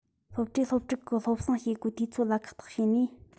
སློབ གྲྭས སློབ ཕྲུག གི སློབ གསེང བྱེད སྒོའི དུས ཚོད ལ ཁག ཐེག བྱས ནས